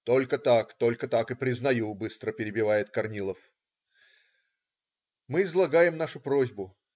- "Только так, только так и признаю",- быстро перебивает Корнилов. Мы излагаем нашу просьбу.